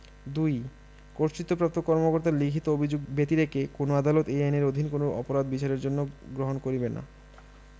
২ কর্তৃত্বপ্রাপ্ত কর্মকর্তার লিখিত অভিযোগ ব্যতিরেকে কোন আদালত এই আইনের অধীন কোন অপরাধ বিচারের জন্য গ্রহণ করিবে না